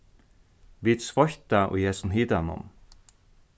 vit sveitta í hesum hitanum